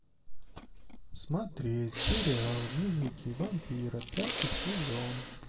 смотреть сериал дневники вампира пятый сезон